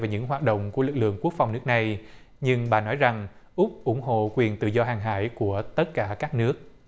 về những hoạt động của lực lượng quốc phòng nước này nhưng bà nói rằng úc ủng hộ quyền tự do hàng hải của tất cả các nước